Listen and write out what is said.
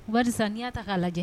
U bakarijan n'iyaa ta k' lajɛ